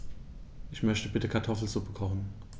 Ich möchte bitte Kartoffelsuppe kochen.